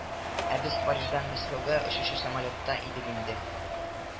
Ә без Париждан Мәскәүгә очучы самолетта идек инде